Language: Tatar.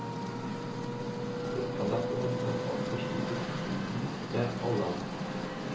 Утыз кадак урынына алтмыш итеп түлим дә, алам